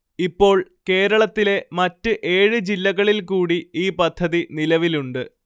ഇപ്പോൾ കേരളത്തിലെ മറ്റ് ഏഴ് ജില്ലകളിൽ കൂടി ഈ പദ്ധതി നിലവിലുണ്ട്